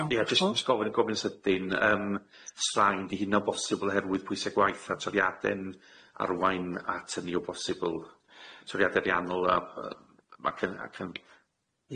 Iawn. Ie jyst jyst gofyn gofyn sydyn yym straen di hynna o bosibl oherwydd pwysa gwaith a toriade'n arwain at hynny o bosibl, toriad arianol a yy ac yn ac yn.